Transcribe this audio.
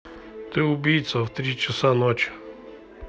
ты убийца в три часа ночи